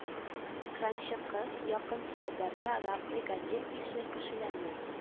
Кранчы кыз якын-тирәдә прораб, бригадир ише кешеләрнеө